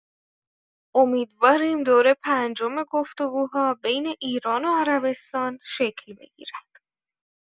امیدواریم دور پنجم گفت‌وگوهای بین ایران و عربستان شکل بگیرد.